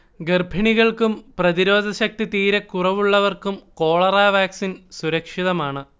ഗർഭിണികൾക്കും പ്രതിരോധശക്തി തീരെ കുറവുള്ളവർക്കും കോളറ വാക്സിൻ സുരക്ഷിതമാണ്